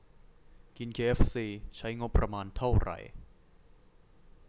กินเคเอฟซีใช้งบประมาณเท่าไหร่